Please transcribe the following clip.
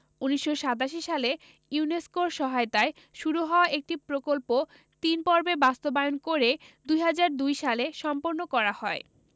১৯৮৭ সালে ইউনেস্কোর সহায়তায় শুরু হওয়া একটি প্রকল্প তিনপর্বে বাস্তবায়ন করে ২০০২ সালে সম্পন্ন করা হয়